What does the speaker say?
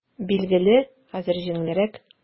Билгеле, хәзер җиңелрәк.